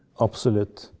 absolutt.